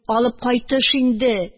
Алып кайтыш инде